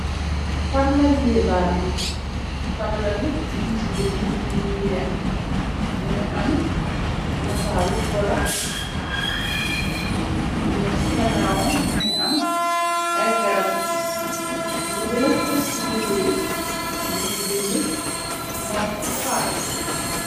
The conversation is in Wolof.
tabla yee baane, tabla bi nyung ci bind bind yu weex, mu ngi am nataalu golo mu ci ganaawam mu ngi am ay garab. Li gëna fës ci bind yi mu ngi bind monkey park.